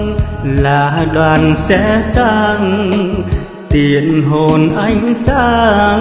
là đoàn xe tang tiễn hồn anh sang